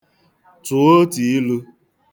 Tụọ otu ilu.